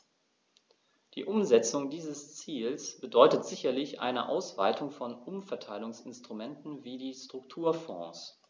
Die Umsetzung dieses Ziels bedeutet sicherlich eine Ausweitung von Umverteilungsinstrumenten wie die Strukturfonds.